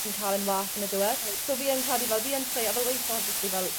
ti'n ca'l e'n wath yn y diwedd. Wyt. So fi yn credu fel fi yn treial fel weith- obviously fel